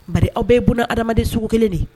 Mali aw bɛ ye bolo hadamaden sugu kelen de